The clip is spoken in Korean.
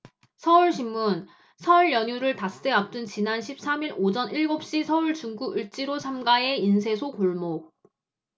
서울신문 설 연휴를 닷새 앞둔 지난 십 삼 일 오전 일곱 시 서울 중구 을지로 삼 가의 인쇄소 골목